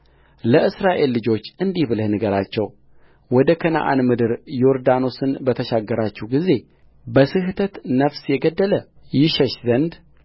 ለእስራኤል ልጆች እንዲህ ብለህ ንገራቸው ወደ ከነዓን ምድር ዮርዳኖስን በተሻገራችሁ ጊዜበስሕተት ነፍስ የገደለ ወደዚያ ይሸሽ ዘንድ